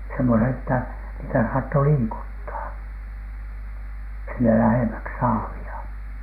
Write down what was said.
semmoinen että niitä saattoi liikuttaa sinne lähemmäksi saavia